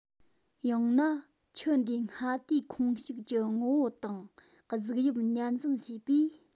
ཡང ན ཁྱུ འདིའི སྔ དུས ཁོངས ཞུགས ཀྱི ངོ བོ དང གཟུགས དབྱིབས ཉར འཛིན བྱས པས